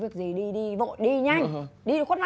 việc gì đi đi vội đi nhanh đi cho khuất